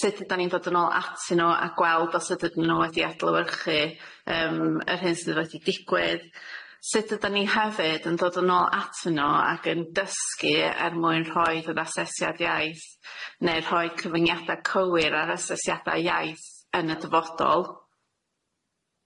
sud ydan ni'n dod yn ôl atyn nw a gweld os ydyn nw wedi adlewyrchu yym yr hyn sydd wedi digwydd sud ydan ni hefyd yn dod yn ôl atyn nw ac yn dysgu er mwyn rhoid yr asesiad iaith neu rhoi cyfyngiada cywir ar asesiada iaith yn y dyfodol.